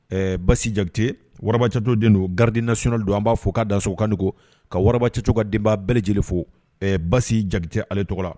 Ɛɛ basi jate wara catɔ don don garididinasona don an b'a fɔ k'a daso kanko ka wara cɛcogo ka denba bɛɛ lajɛlenele fo basi jate ale tɔgɔ la